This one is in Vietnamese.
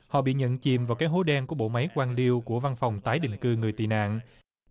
họ bị nhận chìm vào cái hố đen của bộ máy quan liêu của văn phòng tái định cư người tị nạn